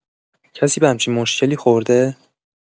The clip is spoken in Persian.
کسی به همچین مشکلی خورده؟